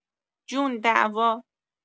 جون دعوا